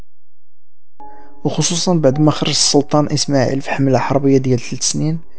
وخصوصا بعد ما خرج السلطان اسماعيل في حمله حرب يدي الفلسطينيين